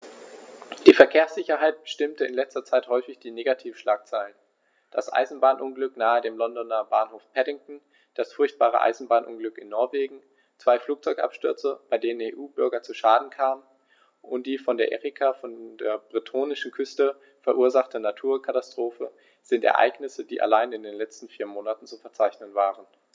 Die Verkehrssicherheit bestimmte in letzter Zeit häufig die Negativschlagzeilen: Das Eisenbahnunglück nahe dem Londoner Bahnhof Paddington, das furchtbare Eisenbahnunglück in Norwegen, zwei Flugzeugabstürze, bei denen EU-Bürger zu Schaden kamen, und die von der Erika vor der bretonischen Küste verursachte Naturkatastrophe sind Ereignisse, die allein in den letzten vier Monaten zu verzeichnen waren.